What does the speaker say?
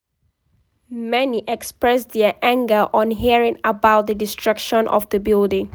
Many expressed their anger on hearing about the destruction of the building.